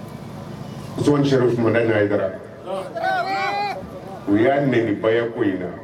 Son seraro suma ka yi u y'a nba ko in